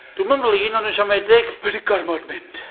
Dwi'm yn flin ond dwi'n siomedig... Mae 'di gormod mynd.